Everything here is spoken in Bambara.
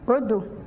o don